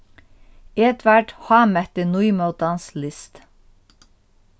edvard hámetti nýmótans list